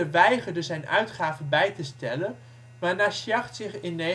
weigerde zijn uitgaven bij te stellen waarna Schacht zich in